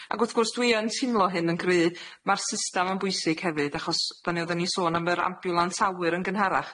ac wrth gwrs dwi yn timlo hyn yn gry'. Ma'r systam yn bwysig hefyd achos ni'n sôn am yr ambiwlans awyr yn gynharach.